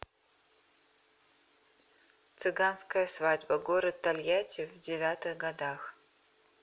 цыганская свадьба город тольятти в девятых годах